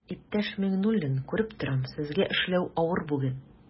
Иптәш Миңнуллин, күреп торам, сезгә эшләү авыр бүген.